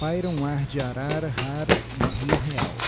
paira um ar de arara rara no rio real